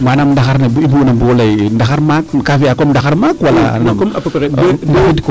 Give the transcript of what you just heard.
manaam bo i mbuŋ ina mbuŋo ley ndaxar maak kaa fiya comme ndaxar maak wala bafid quoi